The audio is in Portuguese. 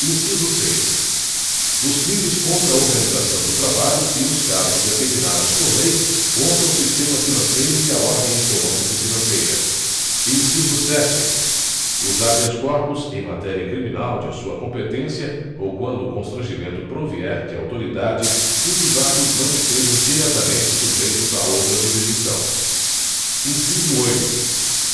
inciso seis os crimes contra a organização do trabalho e nos casos determinados por lei contra o sistema financeiro e a ordem econômico financeira inciso sete os habeas corpus em matéria criminal de sua competência ou quando o constrangimento provier de autoridade cujos atos não estejam diretamente sujeitos a outra jurisdição inciso oito